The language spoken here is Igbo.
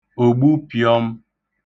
ògbupị̄ọ̄m̄